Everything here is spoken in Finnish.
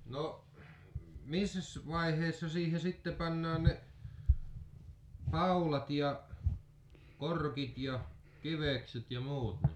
no missäs vaiheessa siihen sitten pannaan ne paulat ja korkit ja kivekset ja muut niin